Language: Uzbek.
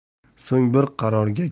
so'ng bir qarorga